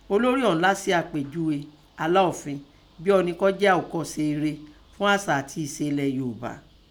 Olorì ọ̀ún lá se àpèjúe Aláọ̀fin bin ọni kọ́ jẹ́ àòkọ́ṣe e re ún àsà àtin ìse ẹlẹ̀ Yoòbá.